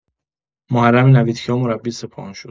محرم نویدکیا مربی سپاهان شد.